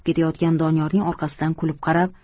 ketayotgan doniyorning orqasidan kulib qarab